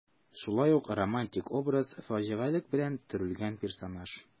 Шулай ук романтик образ, фаҗигалек белән төрелгән персонаж.